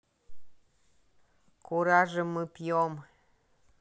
куражим мы пьем